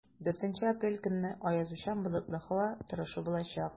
4 апрель көнне аязучан болытлы һава торышы булачак.